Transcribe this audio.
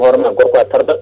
hoorema gorko o a tardat